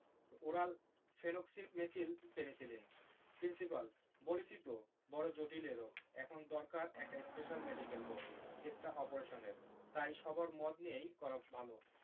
oral phenoxymethyl penicillin principal বলেছি তো বড় জটিল এ রোগ এখন দরকার একটা স্পেশাল মেডিকেল বোর্ড কেসটা অপারেশনের তাই সবার মত নিয়েই করা ভালো